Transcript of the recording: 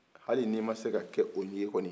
hali n'i ma se ka kɛ o ye kɔni